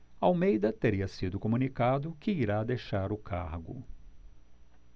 almeida teria sido comunicado que irá deixar o cargo